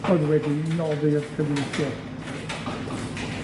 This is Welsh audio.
oedd wedi noddi'r cyfieithiad.